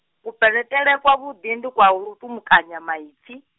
kupeleṱele kwavhuḓi ndi kwa u tumukanya maipfi.